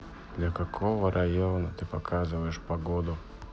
для какого района ты показываешь погоду